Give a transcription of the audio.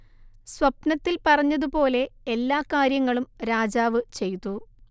സ്വപ്നത്തിൽ പറഞ്ഞതുപോലെ എല്ലാ കാര്യങ്ങളും രാജാവ് ചെയ്തു